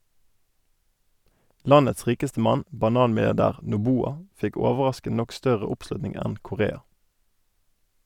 Landets rikeste mann, bananmilliardær Noboa, fikk overraskende nok større oppslutning enn Correa.